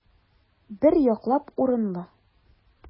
Бер яклап урынлы.